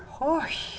hoi.